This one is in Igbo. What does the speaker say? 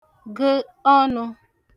gə̣ ọnụ̄